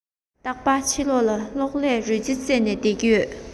རྟག པར ཕྱི ལོག ལ གློག ཀླད རོལ རྩེད རྩེད ནས སྡོད ཀྱི ཡོད རེད